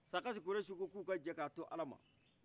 sarakasi kurɛsi ko k' u ka jɛ k' a to ala ma